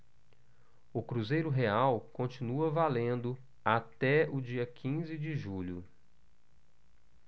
o cruzeiro real continua valendo até o dia quinze de julho